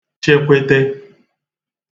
chekwete